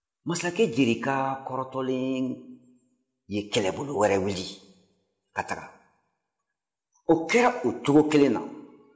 masakɛ jerika kɔrɔtɔlen ye kɛlɛbolo wɛrɛ wuli ka taga o kɛra o cogo kelen na